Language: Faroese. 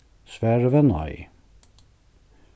svarið var nei